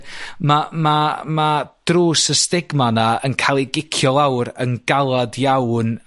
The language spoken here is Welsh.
ma' ma' ma' drws y stigma 'na yn ca'l 'i gicio lawr yn galad iawn